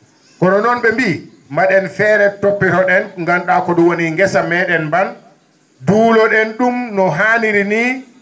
kono noon ?e mbi mba?en feere toppito ?en gandu?a ko woni ngesa me?en mba duulo?en ?um no hanirini